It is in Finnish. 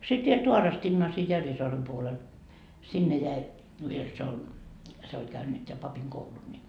sitten vielä Staarostinaan siinä Järvisaaren puolella sinne jäi vielä siellä oli se oli käynyt ja papin koulun niin